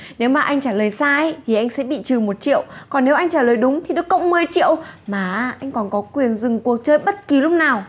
nếu mà anh trả lời sai í thì anh sẽ bị trừ một triệu còn nếu anh trả lời đúng thì được cộng mười triệu mà á anh còn có quyền dừng cuộc chơi bất kì lúc nào